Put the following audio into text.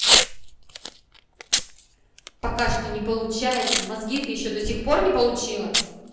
пока что не получается мозги ты еще до сих пор не получила